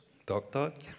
takk takk.